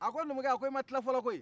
a ko numukɛ a ko i ma tila fɔlɔ koyi